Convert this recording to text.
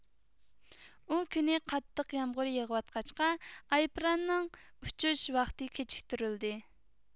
ئۇ كۈنى قاتتىق يامغۇر يېغىۋاتقاچقا ئايروپىلاننىڭ ئۇچۇش ۋاقتى كېچىكتۈرۈلدى